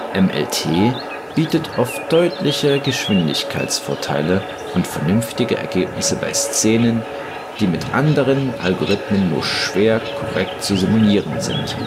MLT bietet oft deutliche Geschwindigkeitsvorteile und vernünftige Ergebnisse bei Szenen, die mit anderen (vorherigen) Algorithmen nur schwer korrekt zu simulieren sind